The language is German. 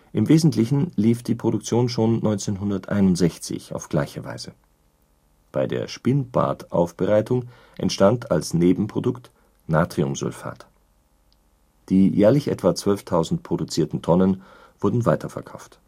Im wesentlichen lief die Produktion schon 1961 auf gleiche Weise. Bei der Spinnbadaufbereitung entstand als Nebenprodukt Natriumsulfat. Die jährlich etwa 12.000 produzierten Tonnen wurden weiterverkauft